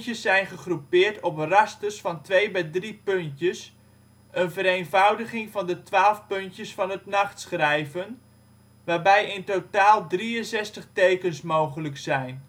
zijn gegroepeerd op rasters van 2 bij 3 puntjes (een vereenvoudiging van de twaalf puntjes van het nachtschrijven), waarbij in totaal 63 tekens mogelijk zijn